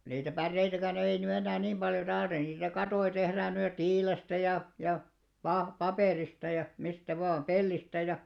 niitä päreitäkään ei nyt enää niin paljon tarvita niitä kattoja tehdään nyt jo tiilestä ja ja - paperista ja mistä vain pellistä ja